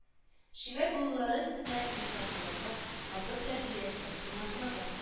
Чибәр булулары өстенә, инсафлылыгы, матур тәрбиясе, тыйнаклыгы